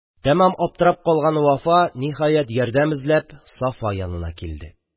Тамам аптырап калган Вафа, ниһәят, ярдәм эзләп Сафа янына килде.